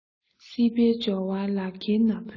སྲིད པའི འབྱོར བ ལ ཁའི ན བུན